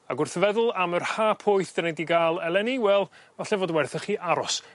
Ag wrth feddwl am yr Ha poeth 'dyn ni 'di ga'l eleni wel falle fod werthoch chi aros